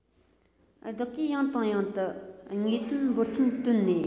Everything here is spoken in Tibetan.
བདག གིས ཡང དང ཡང དུ དངོས དོན འབོར ཆེན བཏོན ནས